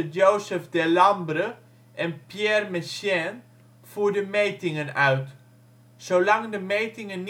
Joseph Delambre en Pierre Méchain voerden metingen uit. Zolang de metingen